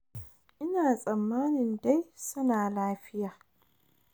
Ina tsammanin dai su na lafiya.”